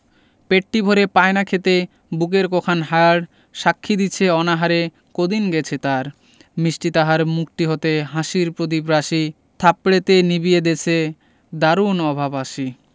পেটটি ভরে পায় না খেতে বুকের কখান হাড় সাক্ষী দিছে অনাহারে কদিন গেছে তার মিষ্টি তাহার মুখটি হতে হাসির প্রদীপরাশি থাপড়েতে নিবিয়ে দেছে দারুণ অভাব আসি